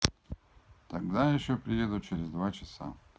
тогда еще приеду через два часа